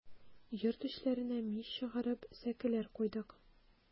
Йорт эчләренә мич чыгарып, сәкеләр куйдык.